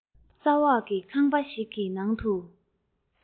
ས འོག གི ཁང པ ཞིག གི ནང དུ